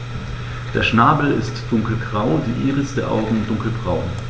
Der Schnabel ist dunkelgrau, die Iris der Augen dunkelbraun.